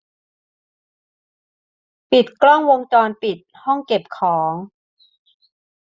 ปิดกล้องวงจรปิดห้องเก็บของ